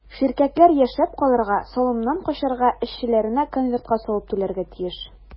Ширкәтләр яшәп калырга, салымнан качарга, эшчеләренә конвертка салып түләргә тырыша.